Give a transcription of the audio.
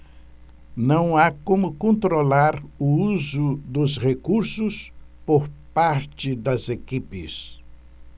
não há como controlar o uso dos recursos por parte das equipes